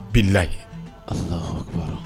Bilahi Alahu akbar